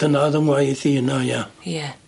Dyna o'dd yng ngwaith i yna ia. Ie.